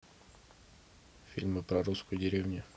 фильмы про русскую деревню